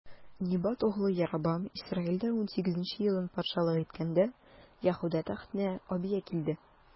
Небат углы Яробам Исраилдә унсигезенче елын патшалык иткәндә, Яһүдә тәхетенә Абия килде.